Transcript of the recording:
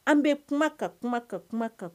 An bɛ kuma ka kuma ka kuma ka